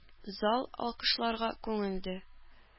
Зал алкышларга күмелде.